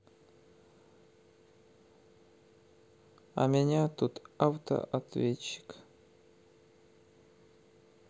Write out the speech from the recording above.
а меня тут автоответчик